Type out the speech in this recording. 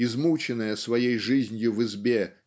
измученная своей жизнью в избе